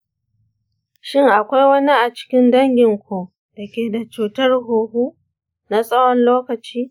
shin akwai wani a cikin danginku da ke da cutar huhu na tsawon lokaci?